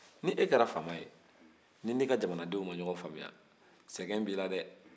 n'e kɛra faama ye ni n'i ka jamanadenw ma ɲɔgɔn faamuya sɛgɛn b'i la dɛ